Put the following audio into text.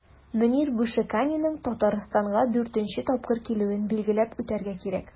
Мөнир Бушенакиның Татарстанга 4 нче тапкыр килүен билгеләп үтәргә кирәк.